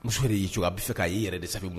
Muso y'i a bɛ se ka'i yɛrɛ desa